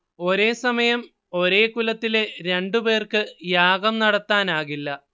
ഒരേ സമയം ഒരേ കുലത്തിലെ രണ്ടുപേർക്ക് യാഗം നടത്താനാകില്ല